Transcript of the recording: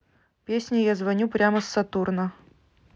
песня я звоню прямо с сатурна